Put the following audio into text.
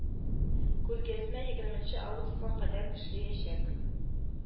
Күргәзмә егерменче августка кадәр эшләячәк